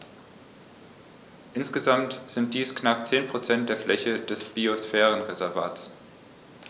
Insgesamt sind dies knapp 10 % der Fläche des Biosphärenreservates.